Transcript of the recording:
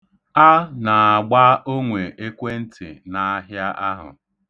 A na-agba onwe ekwentị n'ahịa ahụ.